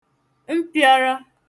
mpị̄ọ̄rọ̄